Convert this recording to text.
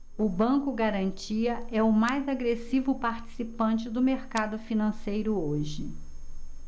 o banco garantia é o mais agressivo participante do mercado financeiro hoje